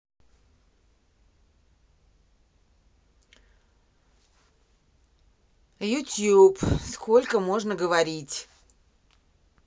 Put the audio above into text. youtube сколько можно говорить